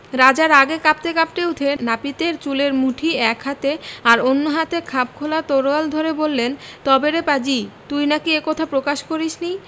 রাজা রাগে কাঁপতে কাঁপতে উঠে নাপিতের চুলের মুঠি এক হাতে আর অন্য হাতে খাপ খোলা তরোয়াল ধরে বললেন তবে রে পাজি তুই নাকি এ কথা প্রকাশ করিসনি